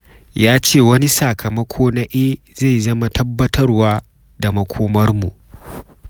Ya ce wani sakamako na “eh” zai zama tabbatarwa da makomarmu.”